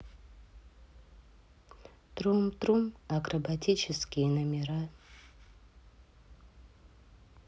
трум трум акробатические номера